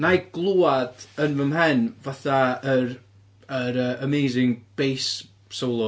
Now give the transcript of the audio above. Wna i glywed yn fy mhen, fatha yr yr yy amazing bass solo.